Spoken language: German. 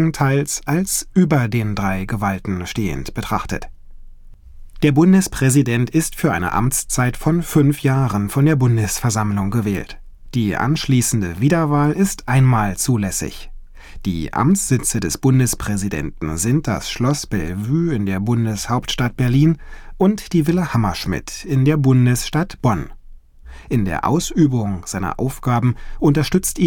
teils als „ über den drei Gewalten “stehend betrachtet. Der Bundespräsident wird für eine Amtszeit von fünf Jahren von der Bundesversammlung gewählt. Die anschließende Wiederwahl ist nur einmal zulässig. Die Amtssitze des Bundespräsidenten sind das Schloss Bellevue in der Bundeshauptstadt Berlin und die Villa Hammerschmidt in der Bundesstadt Bonn. In der Ausübung seiner Aufgaben unterstützt